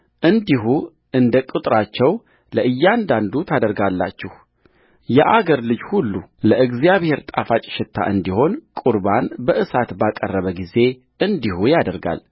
እንዲሁ እንደ ቍጥራቸው ለእያንዳንዱ ታደርጋላችሁየአገር ልጅ ሁሉ ለእግዚአብሔር ጣፋጭ ሽታ እንዲሆን ቍርባን በእሳት ባቀረበ ጊዜ እንዲሁ ያደርጋል